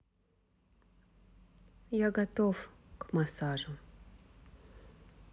я готов к массажу